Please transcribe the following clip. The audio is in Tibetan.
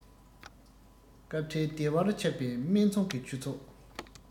སྐབས འཕྲལ བདེ བར ཆགས པའི སྨད འཚོང གི ཁྱུ ཚོགས